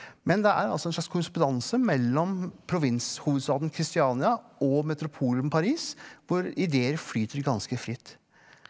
men det er altså en slags korrespondanse mellom provinshovedstaden Kristiania og metropolen Paris hvor ideer flyter ganske fritt.